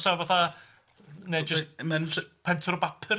'Sa fatha? Neu jyst pentwr o bapur?